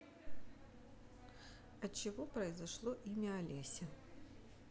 от чего произошло имя олеся